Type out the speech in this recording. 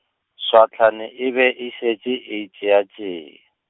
swahlane e be e šetše e tšeatšea.